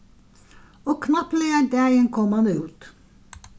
og knappliga ein dagin kom hann út